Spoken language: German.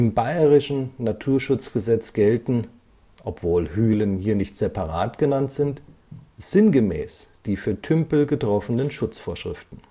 Bayerischen Naturschutzgesetz gelten – obwohl Hülen hier nicht separat genannt sind – sinngemäß die für Tümpel getroffenen Schutzvorschriften